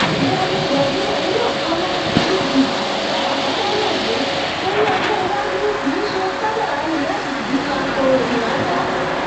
Damy Govina (DG): Torí ọjọ́ iwájú, kìí ṣe kádàrá mi láti di akọ̀ròyìn rárá.